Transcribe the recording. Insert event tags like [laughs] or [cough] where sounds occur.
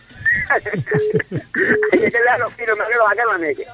[laughs] a jega nega o kiinoxa na nuun no gara na meke